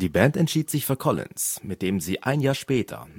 Band entschied sich für Collins, mit dem sie ein Jahr später